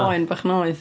Oen bach noeth.